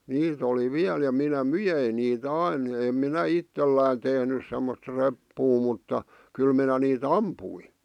niitä oli vielä ja minä myin niitä aina en minä itselläni tehnyt semmoista reppua mutta kyllä minä niitä ammuin